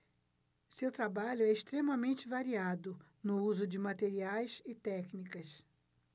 seu trabalho é extremamente variado no uso de materiais e técnicas